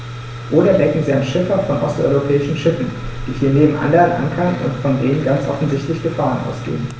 Oder denken Sie an Schiffer von osteuropäischen Schiffen, die hier neben anderen ankern und von denen ganz offensichtlich Gefahren ausgehen.